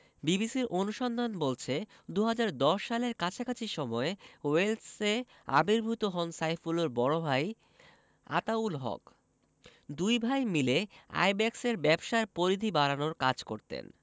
বিবিসির অনুসন্ধান বলছে ২০১০ সালের কাছাকাছি সময়ে ওয়েলসে আবির্ভূত হন সাইফুলের বড় ভাই আতাউল হক দুই ভাই মিলে আইব্যাকসের ব্যবসার পরিধি বাড়ানোর কাজ করতেন